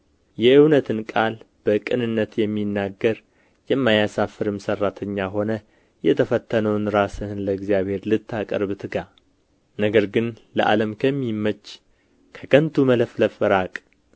የእውነትን ቃል በቅንነት የሚናገር የማያሳፍርም ሠራተኛ ሆነህ የተፈተነውን ራስህን ለእግዚአብሔር ልታቀርብ ትጋ ነገር ግን ለዓለም ከሚመች ከከንቱ መለፍለፍ ራቅ